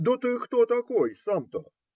- Да ты кто такой сам-то?